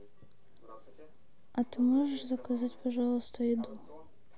а ты можешь заказать пожалуйста еду